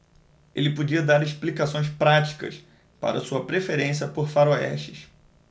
ele podia dar explicações práticas para sua preferência por faroestes